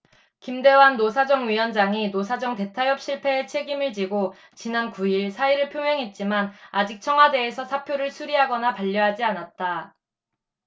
김대환 노사정위원장이 노사정 대타협 실패에 책임을 지고 지난 구 일 사의를 표명했지만 아직 청와대에서 사표를 수리하거나 반려하지 않았다